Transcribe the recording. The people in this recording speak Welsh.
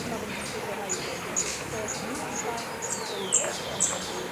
ma' fe'n trigero migraine 'dy fi so fi bach o control freek pan ma' fe'n dod